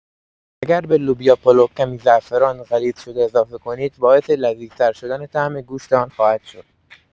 اگر به لوبیا پلو کمی زعفران غلیظ شده اضافه کنید باعث لذیذتر شدن طعم گوشت آن خواهد شد.